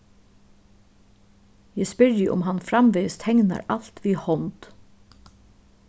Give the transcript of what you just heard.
eg spyrji um hann framvegis teknar alt við hond